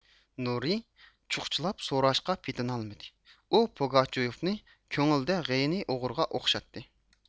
نۇرى چۇخچىلاپ سوراشقا پېتىنالمىدى ئۇ پوگاچيوفنى كۆڭلىدە غېنى ئوغرىغا ئوخشاتتى